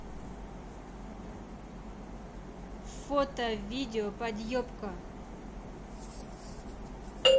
фото видео подъебка